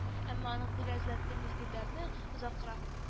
Әмма аның бу ләззәтле мизгелләрне озаккарак